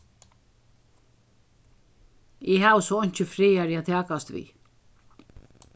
eg havi so einki frægari at takast við